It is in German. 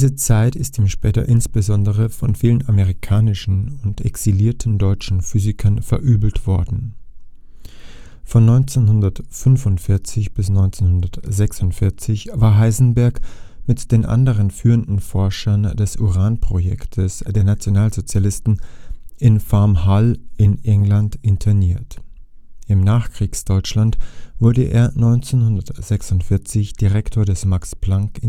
Zeit ist ihm später insbesondere von vielen amerikanischen und exilierten deutschen Physikern verübelt worden. Von 1945 bis 1946 war Heisenberg mit den anderen führenden Forschern des Uranprojektes der Nationalsozialisten in Farm Hall in England interniert. Im Nachkriegsdeutschland wurde er 1946 Direktor des Max-Planck-Instituts